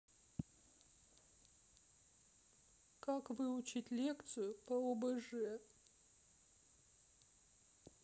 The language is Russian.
как выучить лекцию по обж